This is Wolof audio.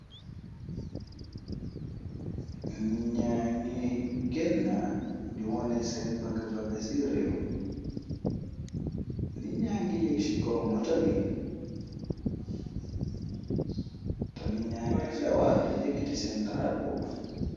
Niñyaa ngi gennat di woneh seen bagga bagga ci réew niñyaa ngi yëgg chikow motabi ta niñyaa ngi sawar di yëkk ti seen darapo.